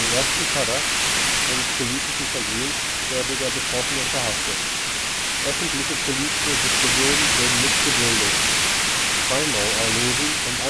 ersten Verdacht eines politischen Vergehens werde der Betroffene verhaftet, öffentliche politische Diskussionen würden nicht geduldet, Freimaurerlogen und